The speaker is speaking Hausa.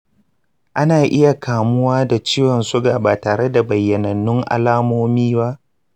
a na iya kamuwa da ciwon suga ba tare da bayyanannun alamomi ba.